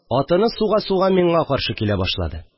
Атыны суга-суга миңа каршы килә башлады